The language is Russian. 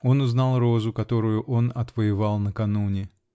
Он узнал розу, которую он отвоевал накануне.